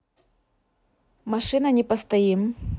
машина не постоим